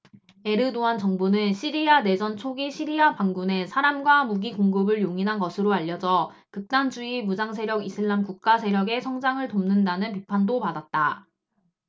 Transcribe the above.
에르도안 정부는 시리아 내전 초기 시리아 반군에 사람과 무기 공급을 용인한 것으로 알려져 극단주의 무장세력 이슬람국가 세력의 성장을 돕는다는 비판도 받았다